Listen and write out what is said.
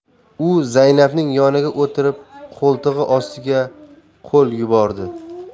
u zaynabning yoniga o'tirib qo'ltig'i ostiga qo'l yubordi